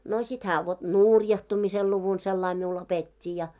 no sitten hän vot nurjahtumisen luvun sillä lailla minulle opetti ja